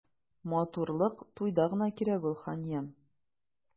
Матурлык туйда гына кирәк ул, ханиям.